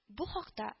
Бу хакта